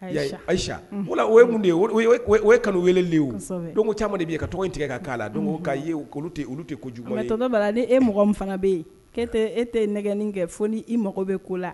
Ayisa o ye mun de ye o ye kanu weleli de ye o, kosɛbɛ, donc caman de bɛ yen ka tɔgɔ in tigɛ ka k'a la donc ka ye olu tɛ olu tɛ kojugu ye mais tonton Bala ni e mɔgɔ min fana bɛ yen e tɛ nɛgɛnni kɛ fo ni i mago bɛ ko la